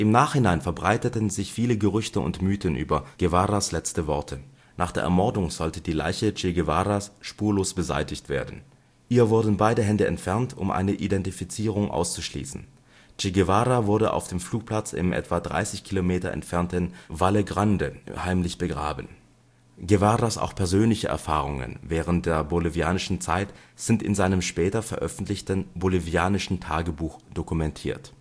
nachhinein verbreiteten sich viele Gerüchte und Mythen über Guevaras letzte Worte. Nach der Ermordung sollte die Leiche Che Guevaras spurlos beseitigt werden. Ihr wurden beide Hände entfernt, um eine Identifizierung auszuschließen. Che Guevara wurde auf dem Flugplatz im etwa 30 Kilometer entfernten Vallegrande heimlich begraben. Guevaras auch persönliche Erfahrungen während der bolivianischen Zeit sind in seinem später veröffentlichten Bolivianischen Tagebuch dokumentiert